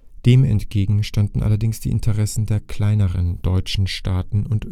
Dem entgegen standen allerdings die Interessen der kleineren deutschen Staaten und